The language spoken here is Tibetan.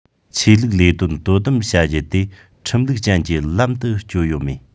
ཆོས ལུགས ལས དོན དོ དམ བྱ རྒྱུ དེ ཁྲིམས ལུགས ཅན གྱི ལམ དུ སྐྱོད ཡོད མེད